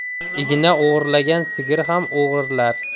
igna o'g'irlagan sigir ham o'g'irlar